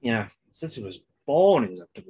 Yeah since he was born he was out of...